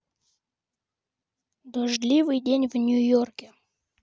дождливый день в нью йорке